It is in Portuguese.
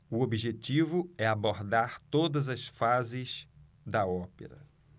o objetivo é abordar todas as fases da ópera